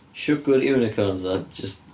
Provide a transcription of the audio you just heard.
Siwgr, unicorns a jyst...